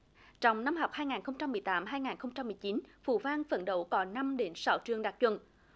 trong năm học hai ngàn không trăm mười tám hai ngàn không trăm mười chín phú văn phấn đấu có năm đến sáu trường đạt chuẩn